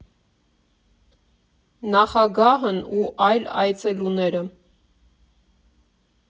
Նախագահն ու այլ այցելուները։